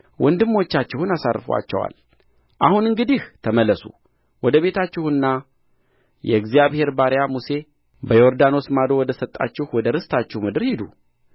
ወንድሞቻችሁን አሳርፎአቸዋል አሁን እንግዲህ ተመለሱ ወደ ቤታችሁና የእግዚአብሔር ባሪያ ሙሴ በዮርዳኖስ ማዶ ወደ ሰጣችሁ ወደ ርስታችሁ ምድር ሂዱ